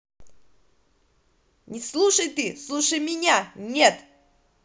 не слушай ты слушай меня нет